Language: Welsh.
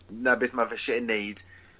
'na beth ma' fe isie ei neud